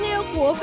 yêu của